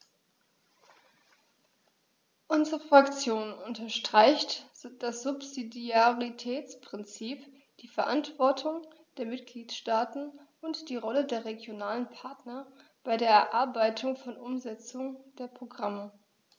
Unsere Fraktion unterstreicht das Subsidiaritätsprinzip, die Verantwortung der Mitgliedstaaten und die Rolle der regionalen Partner bei der Erarbeitung und Umsetzung der Programme.